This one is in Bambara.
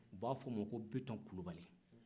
o b'a fɔ o ma ko biton kulubali